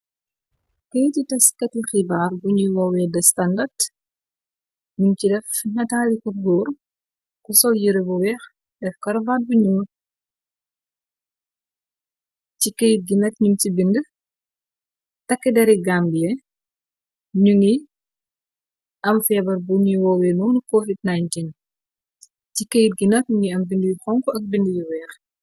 Keyti tas kati xibaar buñuy woowee de standard ñum ci def nataali ko góor ku sol yere bu weex de corovaar bu ñuul ci kayt gi nag nyun ci binda takka deri Gambia ñungi am feebar buñuy woowee nonu covid 19 ci keyt gi nak mogi am binduy xonko ak binda yu weex.